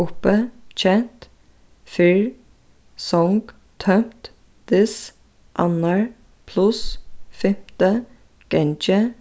uppi kent fyrr song tómt this annar pluss fimti gangi